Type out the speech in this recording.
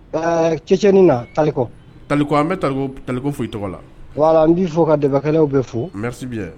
Ɛɛ cɛcin na talikɔ taliku an bɛ taliko foyi i tɔgɔ la wa an b'i fɔ ka dabakɛlaww bɛ fo mɛsibi